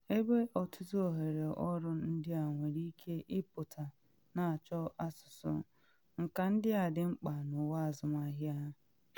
Ebe ọtụtụ ohere ọrụ ndị nwere ike ịpụta na achọ asụsụ, nka ndị a dị mkpa n’ụwa azụmahịa.